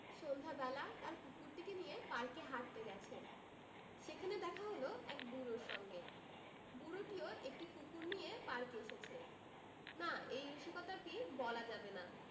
সন্ধ্যাবেলা তার কুকুরটিকে নিয়ে পার্কে হাঁটতে গেছেন সেখানে দেখা হল এক বুড়োর সঙ্গে বুড়োটিও একটি কুকুর নিয়ে পার্কে এসেছে না এই রসিকতাটি বলা যাবে না